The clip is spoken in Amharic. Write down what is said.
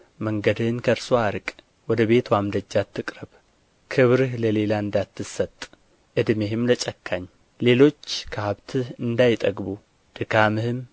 መንገድህን ከእርስዋ አርቅ ወደ ቤትዋም ደጅ አትቅረብ ክብርህ ለሌላ እንዳትሰጥ ዕድሜህም ለጨካኝ ሌሎች ከሀብትህ እንዳይጠግቡ ድካምህም